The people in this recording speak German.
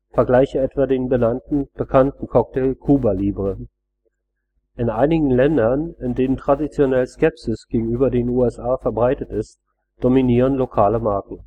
vgl. etwa den bekannten Cocktail Cuba Libre). In einigen Ländern, in denen traditionell Skepsis gegenüber den USA verbreitet ist, dominieren lokale Marken